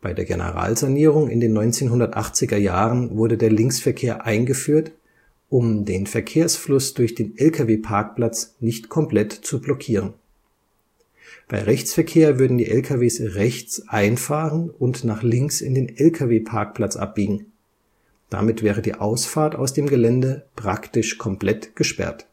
der Generalsanierung in den 80er Jahren wurde der Linksverkehr eingeführt, um den Verkehrsfluss durch den LKW-Parkplatz nicht komplett zu blockieren. Bei Rechtsverkehr würden die LKWs rechts einfahren und nach links in den LKW-Parkplatz abbiegen, damit wäre die Ausfahrt aus dem Gelände praktisch komplett gesperrt